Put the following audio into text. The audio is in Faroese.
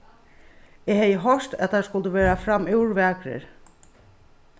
eg hevði hoyrt at teir skuldu vera framúr vakrir